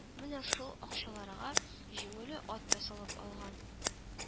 Менә шул акчаларга җиңүле ат та салып алган